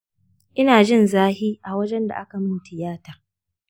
inajin zafi a wajenda aka mun tiyata